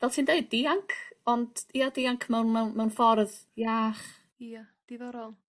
fel ti'n deud dianc ond ia dianc mewn mewn mewn ffordd iach, Ia diddorol.